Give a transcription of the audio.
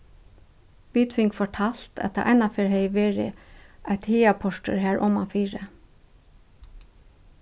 vit fingu fortalt at tað einaferð hevði verið eitt hagaportur har omanfyri